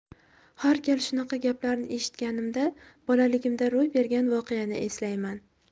har gal shunaqa gaplarni eshitganimda bolaligimda ro'y bergan voqeani eslayman